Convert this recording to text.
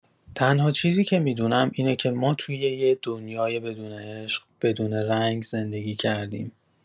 تنها چیزی که می‌دونم اینه که، ما توی یه دنیای بدون عشق، بدون رنگ زندگی کردیم.